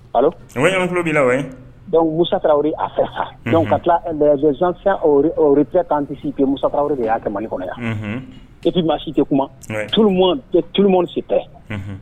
Bɛ na dɔnku musa a fɛ ka tila nɛgɛ tɛ si kɛ mu de y'a kɛ mali kɔnɔ yan epi maa si tɛ kuma tu si tɛ